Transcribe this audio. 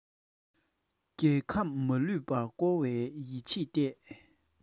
རྒྱལ ཁམས མ ལུས པར བསྐོར བའི ཡིད ཆེས བརྟས